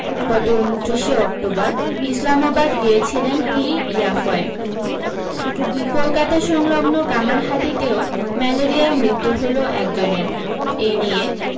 গত উনত্রিশে অক্টোবর ইসলামাবাদ গিয়েছিলেন হি ইয়াফই কলকাতা সংলগ্ন কামারহাটিতেও ম্যালেরিয়ায় মৃত্যু হল একজনের এই নিয়ে